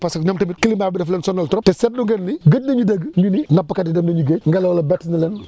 parce que ñoom tamit climat bi daf leen sobal trop te seetlu ngeen ni gëj nañu dégg ñu ni nappkat yi dem nañu géej ngelaw la bett na leen